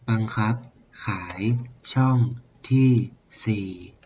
บังคับขายช่องที่สี่